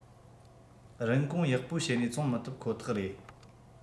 རིན གོང ཡག པོ བྱེད ནས བཙོང མི ཐུབ ཁོ ཐག རེད